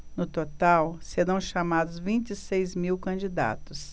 no total serão chamados vinte e seis mil candidatos